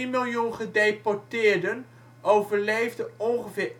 miljoen gedeporteerden overleefden ongeveer